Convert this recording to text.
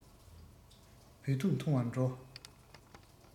བོད ཐུག འཐུང བར འགྲོ